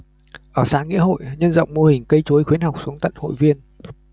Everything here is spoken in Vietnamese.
ở xã nghĩa hội nhân rộng mô hình cây chuối khuyến học xuống tận hội viên